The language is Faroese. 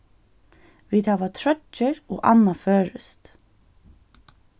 vit hava troyggjur og annað føroyskt